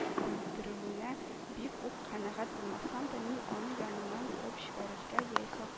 Бүлдерүенә бик үк канәгать булмасам да, мин аны янымнан куып җибәрергә яисә